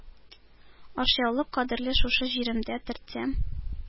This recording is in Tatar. Ашъяулык кадәрле шушы җиремдә төртсәм